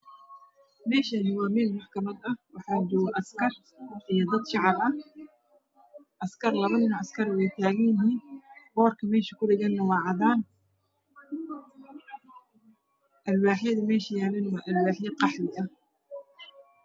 Meeshani waa meel makxamad ah waxaa joogo askar iyo dad shacab ah laba nin oo askar way taagan yihiin eboorka meesha kudhagana waa cadaan alwaaxyasa meesha yaalana waa alwaaxyo qaxwi ah